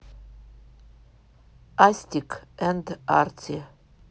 астик энд арти